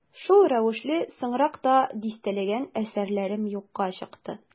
Шул рәвешле соңрак та дистәләгән әсәрләрем юкка чыкты.